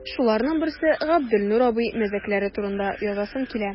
Шуларның берсе – Габделнур абый мәзәкләре турында язасым килә.